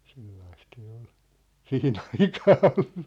sellaista se oli siihen aikaa ollut